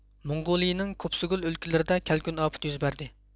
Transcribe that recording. موڭغۇلىيىنىڭ كۇبسۇگۇل ئۆلكىلىرىدە كەلكۈن ئاپىتى يۈز بەردى